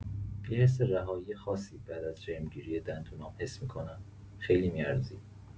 یه حس رهایی خاصی بعد از جرم‌گیری دندونام حس می‌کنم، خیلی می‌ارزید.